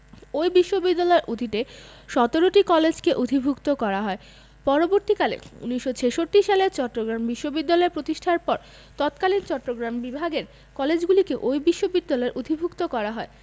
ওই বিশ্ববিদ্যালয়ের অধীনে ১৭টি কলেজকে অধিভুক্ত করা হয় পরবর্তীকালে ১৯৬৬ সালে চট্টগ্রাম বিশ্ববিদ্যালয় প্রতিষ্ঠার পর তৎকালীন চট্টগ্রাম বিভাগের কলেজগুলিকে ওই বিশ্ববিদ্যালয়ের অন্তর্ভুক্ত করা হয়